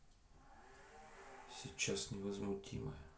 сейчас невозмутимое